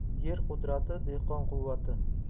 yer qudrati dehqon quvvati